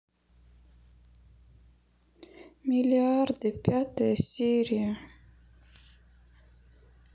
миллиарды пятая серия